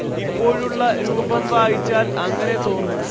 ഇപ്പോഴുള്ള രൂപം വായിച്ചാൽ അങ്ങനെ തോന്നും